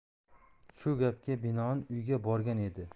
shu gapga binoan uyga borgan edi